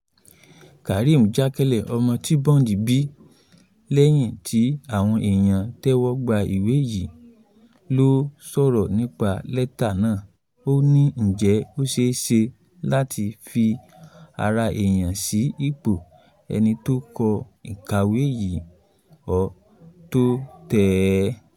Karen Jankel, ọmọ tí Bond bíi lẹ́yìn tí àwọn èèyàn tẹ́wọ́gba ìwé yìí ló sọ̀rọ̀ nípa lẹ́tà náà. Ó ní: “Ǹjẹ́ ó ṣẹéṣe láti fi ara èèyàn sí ipò ẹni tó kọ́ kàwé yìí k’ọ́n tó tẹ̀ ẹ́?